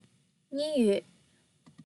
གཉིས ཡོད